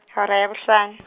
hora ya bohlano.